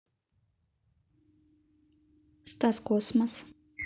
стас космос